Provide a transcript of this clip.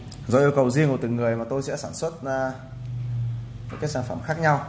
do yêu cầu riêng của từng người mà tôi sẽ sản xuất các sản phẩm khác nhau